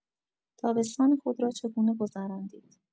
تابستان خود را چگونه گذراندید؟